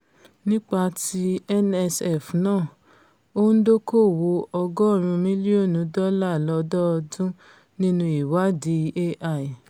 Nípá ti NSF náà, ó ń dóoko-òwò ọgọ́ọ̀rún mílíọ̀nù dọ́là lọ́dọ́ọdún nínú ìwáàdí AI.